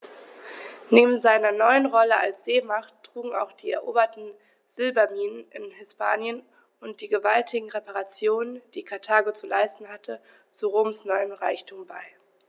Neben seiner neuen Rolle als Seemacht trugen auch die eroberten Silberminen in Hispanien und die gewaltigen Reparationen, die Karthago zu leisten hatte, zu Roms neuem Reichtum bei.